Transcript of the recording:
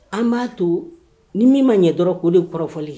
An b'a to ni min ma ɲɛ dɔrɔn ko de kɔrɔfɔlen